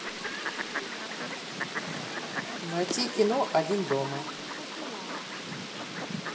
найти кино один дома